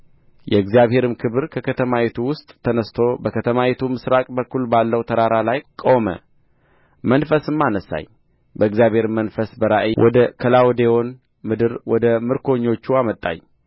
የእግዚአብሔርም ክብር ከከተማይቱ ውስጥ ተነሥቶ በከተማይቱ ምሥራቅ በኩል ባለው ተራራ ላይ ቆመ መንፈስም አነሣኝ በእግዚአብሔርም መንፈስ በራእይ ወደ ከላውዴዎን ምድር ወደ ምርኮኞቹ አመጣኝ